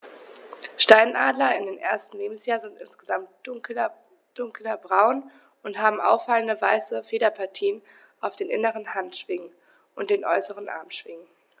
Steinadler im ersten Lebensjahr sind insgesamt dunkler braun und haben auffallende, weiße Federpartien auf den inneren Handschwingen und den äußeren Armschwingen.